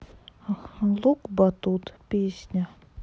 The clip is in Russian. лук батун песня